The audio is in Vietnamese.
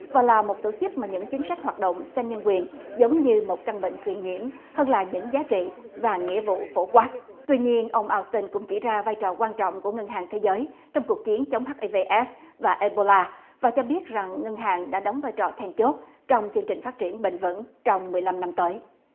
và là một tổ chức mà những chính sách hoạt động xem nhân quyền giống như một căn bệnh truyền nhiễm hơn là những giá trị và nghĩa vụ phổ quát tuy nhiên ông ao tơn cũng chỉ ra vai trò quan trọng của ngân hàng thế giới trong cuộc chiến chống hát i vê ết và e bô la và cho biết rằng ngân hàng đã đóng vai trò then chốt trong chương trình phát triển bền vững trong mười lăm năm tới